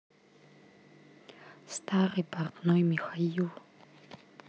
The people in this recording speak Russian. старый портной михаил